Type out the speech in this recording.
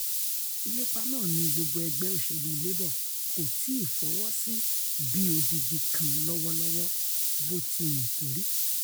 Ìlépa náà ni gbogbo Ẹgbẹ́ Òṣèlú Labour kò tíì fọwọsí bíi odidi kan lọ́wọ́lọ́wọ́, botiwukori.